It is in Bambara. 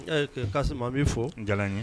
Ayi koyi, Kasimu an b'i fɔ. O jalan an ye.